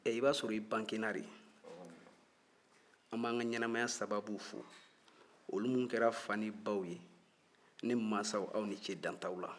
ɛ i b'a sɔrɔ i bangena de an b'an ka ɲɛnamaya sababuw fo minnu kɛra fa ni baw ye ne mansaw aw ni ce dan t'aw la